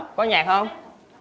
có nhạc hông